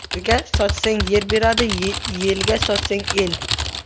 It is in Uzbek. yerga sochsang yer beradi yelga sochsang el